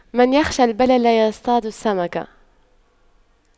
من يخشى البلل لا يصطاد السمك